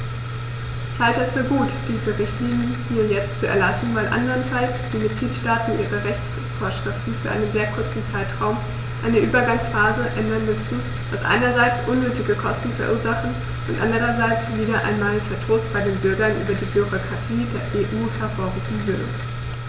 Ich halte es für gut, diese Richtlinie jetzt zu erlassen, weil anderenfalls die Mitgliedstaaten ihre Rechtsvorschriften für einen sehr kurzen Zeitraum, eine Übergangsphase, ändern müssten, was einerseits unnötige Kosten verursachen und andererseits wieder einmal Verdruss bei den Bürgern über die Bürokratie der EU hervorrufen würde.